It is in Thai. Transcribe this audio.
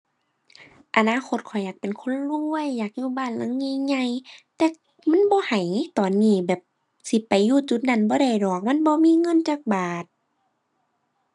อนาคตข้อยอยากเป็นคนรวย อยากอยู่บ้านหลังใหญ่ใหญ่ แต่มันบ่ให้ ตอนนี้แบบ สิไปอยู่จุดนั้นบ่ได้ดอก มันบ่มีเงินจักบาท